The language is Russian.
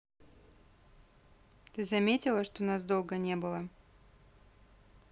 ты заметила что нас долго не было